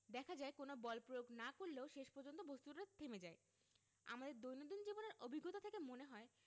দেখা যায় কোনো বল প্রয়োগ না করলেও শেষ পর্যন্ত বস্তুটা থেমে যায় আমাদের দৈনন্দিন জীবনের অভিজ্ঞতা থেকে মনে হয়